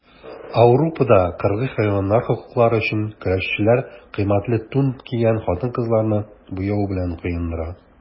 Ауропада кыргый хайваннар хокуклары өчен көрәшүчеләр кыйммәтле тун кигән хатын-кызларны буяу белән коендыра.